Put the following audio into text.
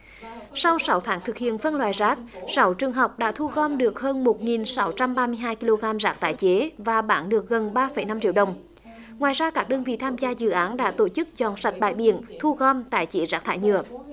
sau sáu tháng thực hiện phân loại rác sáu trường học đã thu gom được hơn một nghìn sáu trăm ba mươi hai ki lô gam rác tái chế và bán được gần ba phẩy năm triệu đồng ngoài ra các đơn vị tham gia dự án đã tổ chức dọn sạch bãi biển thu gom tái chế rác thải nhựa